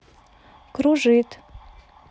кружит